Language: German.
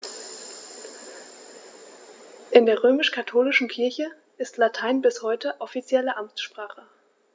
In der römisch-katholischen Kirche ist Latein bis heute offizielle Amtssprache.